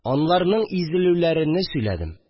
Анларның изелүләрене сөйләдем